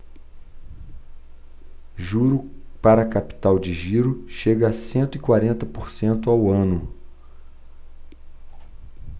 juro para capital de giro chega a cento e quarenta por cento ao ano